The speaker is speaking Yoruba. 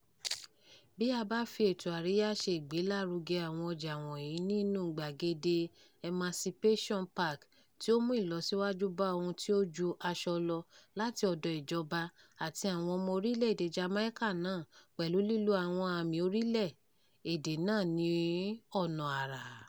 Bí a bá fi ètò àríyá ṣe ìgbélárugẹ àwọn ọjà wọ̀nyí nínúu gbàgede Emancipation Park tí ó mú ìlọsíwájú bá ohun tí ó ju aṣọ lọ láti ọ̀dọ̀ ìjọba àti àwọn ọmọ orílẹ̀ èdèe Jamaica náà, pẹ̀lú lílo àwọn ààmìi orílẹ̀ èdè náà ní ọ̀nà àrà.